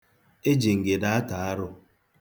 E ji ngịda ata arụ.